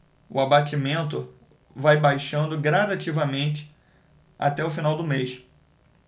o abatimento vai baixando gradativamente até o final do mês